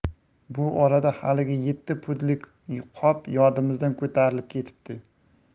bu orada haligi yetti pudlik qop yodimizdan ko'tarilib ketibdi